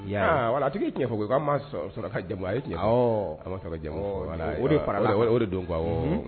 Wa a tigi tiɲɛ fɔ ko ko ma sɔrɔ ka jamu ye tiɲɛ ma o de fara o de don